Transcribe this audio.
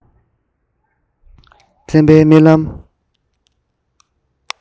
རྩེན པའི རྨི ལམ